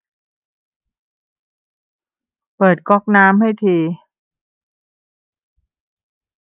เปิดก๊อกน้ำให้ที